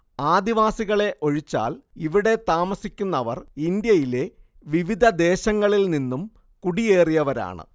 ആദിവാസികളെ ഒഴിച്ചാൽ ഇവിടെ താമസിക്കുന്നവർ ഇന്ത്യയിലെ വിവിധ ദേശങ്ങളിൽ നിന്നും കുടിയേറിയവരാണ്